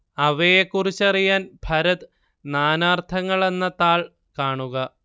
അവയെക്കുറിച്ചറിയാൻ ഭരത് നാനാർത്ഥങ്ങളെന്ന താൾ കാണുക